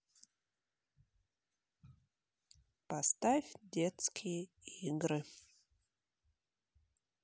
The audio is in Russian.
поставь детские игры